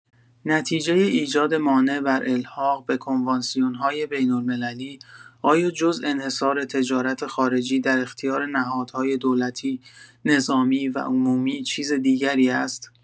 نتیجۀ ایجاد مانع بر الحاق به کنوانسیون‌های بین‌المللی، آیا جز انحصار تجارت خارجی در اختیار نهادهای دولتی، نظامی و عمومی چیز دیگری است؟